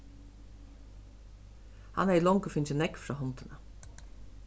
hann hevði longu fingið nógv frá hondini